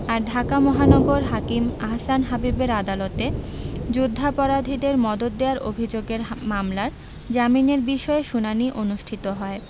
আর ঢাকা মহানগর হাকিম আহসান হাবীবের আদালতে যুদ্ধাপরাধীদের মদদ দেওয়ার অভিযোগের মামলার জামিনের বিষয়ে শুনানি অনুষ্ঠিত হয়